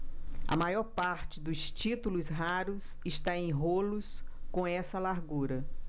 a maior parte dos títulos raros está em rolos com essa largura